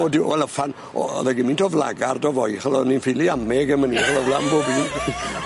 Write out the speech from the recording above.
O di- wel uffan o- o'dd o gymint o flagard o foi ch'wel' o'n i'n ffili ame o flan bob un.